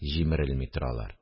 Җимерелми торалар